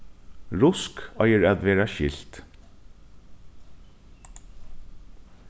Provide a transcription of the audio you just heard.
rusk eigur at verða skilt